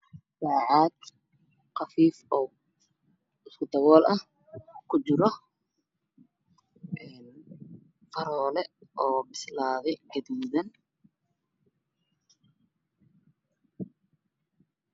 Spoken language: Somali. Caag oo qafiif ah oo ku jira moos karaan iyo liin dhanaanta kalarka waa jaale